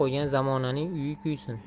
dushman qilib qo'ygan zamonaning uyi kuysin